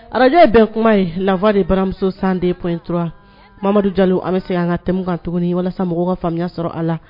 Ara bɛn kuma ye lafa de baramuso san de ptura mamadu ja an bɛ se an ka tɛmɛ kan tuguni walasa mɔgɔ ka faamuya sɔrɔ a la